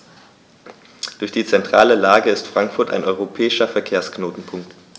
Durch die zentrale Lage ist Frankfurt ein europäischer Verkehrsknotenpunkt.